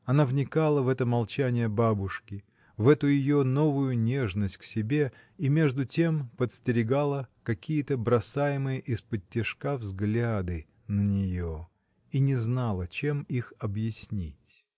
Она вникала в это молчание бабушки, в эту ее новую нежность к себе, и между тем подстерегала какие-то бросаемые исподтишка взгляды на нее, — и не знала, чем их объяснить?